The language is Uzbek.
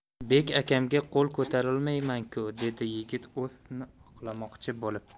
bek akamga qo'l ko'tarolmayman ku dedi yigit o'zini oqlamoqchi bo'lib